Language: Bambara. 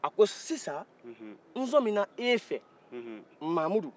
a ko sisan n sɔmina e fɛ mamudu